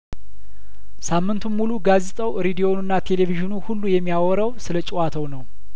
ሳምንቱን ሙሉ ጋዜጣው ሬዲዮውና ቴሌቭዥኑ ሁሉ የሚያወራው ስለጨዋታው ነው